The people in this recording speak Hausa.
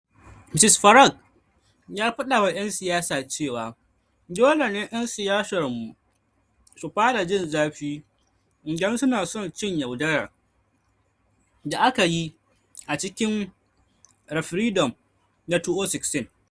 Mr Farage ya fadawa 'yan siyasa cewa dole ne' yan siyasar su fara 'jin zafi' idan su na son cin yaudara da aka yi a cikin referendum na 2016.